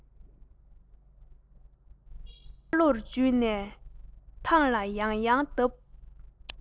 སྐྲ ལོར འཇུས ནས ཐང ལ ཡང ཡང བརྡབས